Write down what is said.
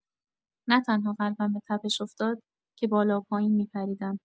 نه‌تنها قلبم به تپش افتاد، که بالا و پایین می‌پریدم.